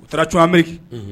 U taara cun ameyik unhun